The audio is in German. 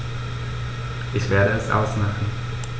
Ich werde es ausmachen